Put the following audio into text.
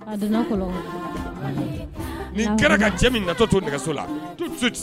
Nin kɛra ka cɛ min na tɔ to nɛgɛso la tout de suite